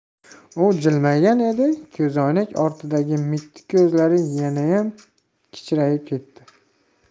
u jilmaygan edi ko'zoynak ortidagi mitti ko'zlari yanayam kichrayib ketdi